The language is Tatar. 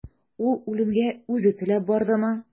Ул үлемгә үзе теләп бардымы?